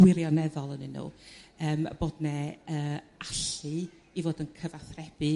wirioneddol yn'yn nhw yrm bod 'ne yrr allu i fod yn cyfathrebu